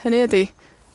Hynny ydi